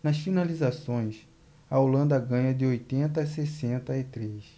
nas finalizações a holanda ganha de oitenta a sessenta e três